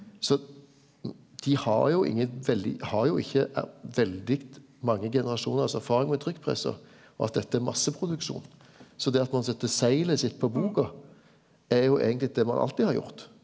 så dei har jo ingen veldig har jo ikkje veldig mange generasjonars erfaring med trykkpressa og at dette er masseproduksjon så det at ein set seglet sitt på boka er jo eigentleg det ein alltid har gjort.